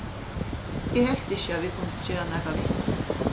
eg helt ikki at vit kundu gera nakað við tað